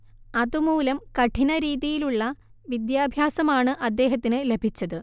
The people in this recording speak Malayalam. അതുമൂലം കഠിനരീതിയിലുള്ള വിദ്യാഭാസമാണ് അദ്ദേഹത്തിന് ലഭിച്ചത്